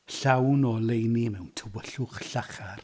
Llawn o oleuni mewn tywyllwch llachar.